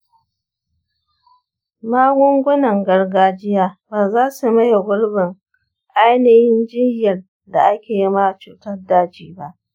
magungunan gargajiya bazasu maye gurbin ainihin jinyar da ake yima cutar daji ba.